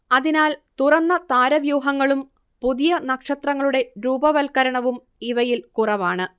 അതിനാൽ തുറന്ന താരവ്യൂഹങ്ങളും പുതിയ നക്ഷത്രങ്ങളുടെ രൂപവൽകരണവും ഇവയിൽ കുറവാണ്